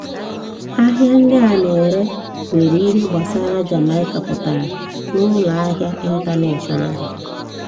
Ahịa ndị a na-ere nwere ihe gbasara Jamaica pụtara n'ụlọahịa ịntaneetị ahụ